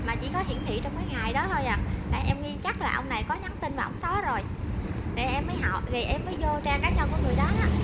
mà chỉ có hiển thị trong cái ngày đó thôi à em nghi chắc là ông này có nhắn tin mà ổng xóa rồi rồi em mới hỏi rồi em mới vô trang cá nhân của người đó á